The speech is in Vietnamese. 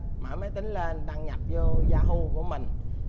mở máy tính lên đăng nhập vô da hu của mình